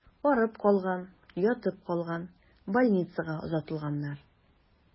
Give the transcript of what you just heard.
Арып калган, ятып калган, больницага озатылганнар.